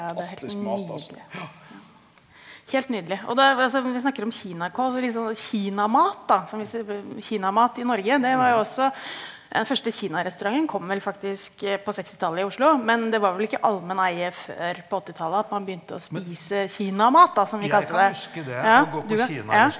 ja det er helt nydelig helt nydelig og da altså vi snakker om kinakål, vi litt sånn kinamat da som hvis vi kinamat i Norge det var jo også den første kinarestauranten kom vel faktisk på sekstitallet i Oslo, men det var vel ikke allmenn eie før på åttitallet at man begynte å spise kinamat da, som vi kalte det ja du ja.